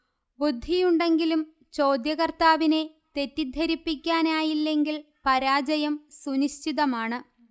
ബുദ്ധിയുണ്ടെങ്കിലും ചോദ്യകർത്താവിനെ തെറ്റിദ്ധരിപ്പിക്കാനായില്ലെങ്കിൽ പരാജയം സുനിശ്ചിതമാണ്